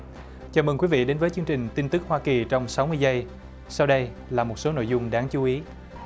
chào mừng quý vị đến với chương trình tin tức hoa kỳ trong sáu mươi giây sau đây là một số nội dung đáng chú ý